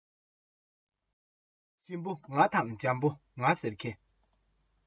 གསེར དངུལ ང དང གཏམ དོན ང ཟེར ཞིང